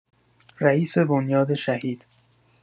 رئیس بنیاد شهید